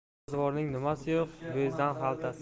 ro'zg'orning nimasi yo'q bo'zdan xaltasi